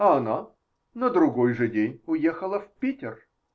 А она на другой же день уехала в Питер.